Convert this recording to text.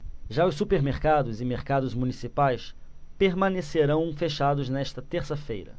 já os supermercados e mercados municipais permanecerão fechados nesta terça-feira